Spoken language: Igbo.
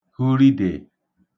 huridè